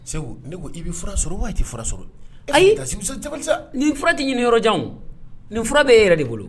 Segu ne ko i bɛ sɔrɔ b'a tɛ fura sɔrɔ ayi nin fura tɛ ɲinin yɔrɔjan nin fura bɛ e yɛrɛ de bolo